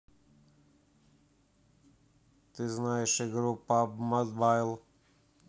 ты знаешь игру pubg mobile